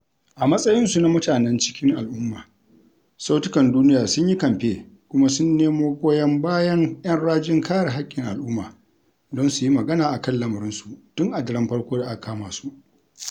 A matsayinsu na mutanen cikin al'umma, Sautukan Duniya sun yi kamfe kuma sun nemo goyon bayan 'yan rajin kare haƙƙin al'umma don su yi magana a kan lamarinsu tun a daren farko da aka kama su.